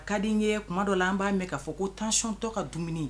Ka diden ye kuma dɔ la an b'a mɛn k'a fɔ ko tancontɔ ka dumuni